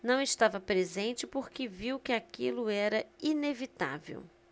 não estava presente porque viu que aquilo era inevitável